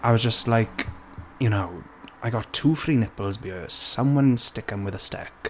I was just like, you know, I got two free nipples by here, someone stick 'em with a stick.